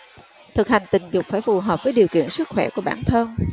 thực hành tình dục phải phù hợp với điều kiện sức khỏe của bản thân